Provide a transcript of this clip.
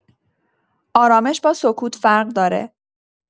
آرامش با سکوت فرق داره.